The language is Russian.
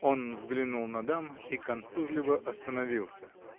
Он взглянул на дам и конфузливо остановился.